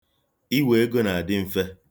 Iwe ego na-adị mfe.